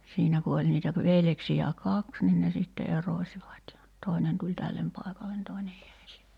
siinä kun oli niitä - veljeksiä kaksi niin ne sitten erosivat ja toinen tuli tälle paikalle toinen jäi sinne ja